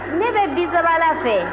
ne bɛ bisabala fɛ